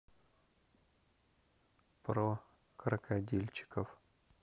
про крокодильчиков